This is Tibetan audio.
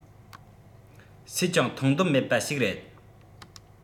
སུས ཀྱང མཐོང འདོད མེད པ ཞིག རེད